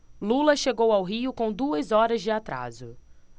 lula chegou ao rio com duas horas de atraso